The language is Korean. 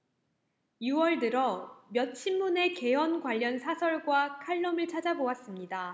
유 월 들어 몇 신문의 개헌 관련 사설과 칼럼을 찾아 보았습니다